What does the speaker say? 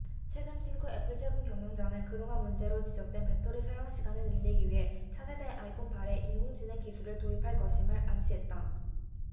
최근 팀쿡 애플 최고경영자는 그동안 문제로 지적된 배터리 사용시간을 늘리기 위해 차세대 아이폰 팔 에 인공지능기술을 도입할 것임을 암시했다